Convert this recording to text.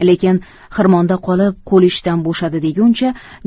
lekin xirmonda qolib qo'li ishdan bo'shadi deguncha